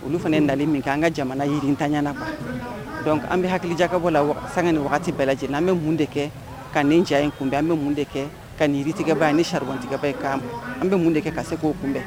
Olu fana ye nali min kɛ an ka jamana yiririntanyana kan dɔnkuc an bɛ hakilija kabɔ la san ni bɛɛ lajɛ lajɛlen' an bɛ mun de kɛ ka nin diya in kunbɛn an bɛ mun de kɛ ka nin yiriiritigɛba ye ni satikɛba ye kan an bɛ mun de kɛ ka se' kunbɛn